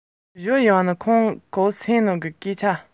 རྒད པོ སྨ ར ཅན ཁོང ཁྲོ དང བཅས སོང རྗེས